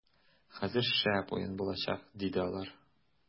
- хәзер шәп уен булачак, - диде алар.